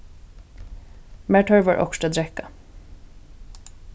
mær tørvar okkurt at drekka